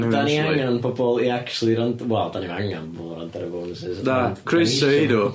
'Dan ni angen bobol i actually rand- wel, 'dan ni'm angen bobol rando y bonuses ond... Na, croeso i nw.